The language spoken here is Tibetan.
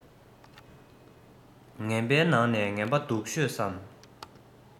ངན པའི ནང ནས ངན པ སྡུག ཤོས སམ